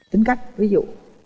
tính cách ví dụ